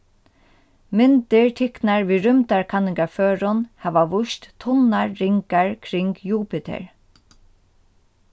myndir tiknar við rúmdarkanningarførum hava víst tunnar ringar kring jupiter